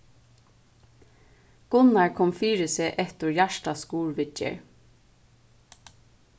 gunnar kom fyri seg eftir hjartaskurðviðgerð